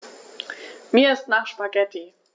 Mir ist nach Spaghetti.